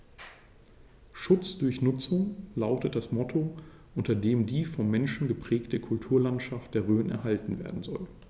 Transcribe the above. „Schutz durch Nutzung“ lautet das Motto, unter dem die vom Menschen geprägte Kulturlandschaft der Rhön erhalten werden soll.